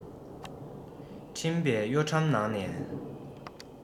འཕྲིན པས གཡོ ཁྲམ ནང ནས